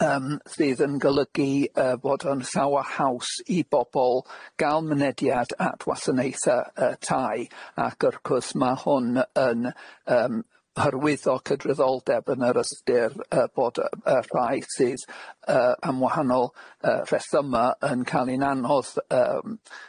yym sydd yn golygu yy bod o'n llawar haws i bobol gal mynediad at wasanaethe y- tai ac wrth cwrs ma' hwn yn yym hyrwyddo cydraddoldeb yn yr ystyr y- bod yyy rhai sydd y- yn wahanol y- rhesyma yn cal hi'n anodd yym.